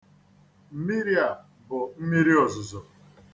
Mmiri a bụ mmiriozuzo.